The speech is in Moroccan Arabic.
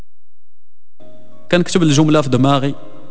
تنقسم الجمله في دماغي